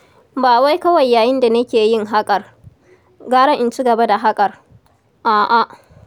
Ba wai kawai yayin da nake yin haƙar, gara in cigaba da haƙar, a'a.